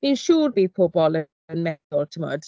Fi'n siŵr bydd pobl, yy, yn meddwl, timod...